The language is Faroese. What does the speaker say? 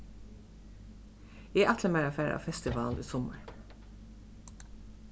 eg ætli mær at fara á festival í summar